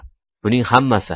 buning hammasi